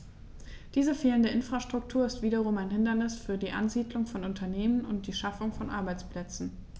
Diese fehlende Infrastruktur ist wiederum ein Hindernis für die Ansiedlung von Unternehmen und die Schaffung von Arbeitsplätzen.